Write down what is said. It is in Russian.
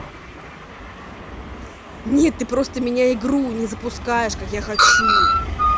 нет ты просто меня игру не запускаешь как я хочу